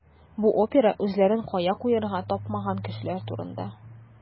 Бу опера үзләрен кая куярга тапмаган кешеләр турында.